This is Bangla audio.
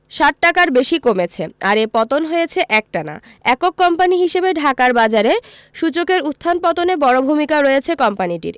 ৬০ টাকার বেশি কমেছে আর এ পতন হয়েছে একটানা একক কোম্পানি হিসেবে ঢাকার বাজারে সূচকের উত্থান পতনে বড় ভূমিকা রয়েছে কোম্পানিটির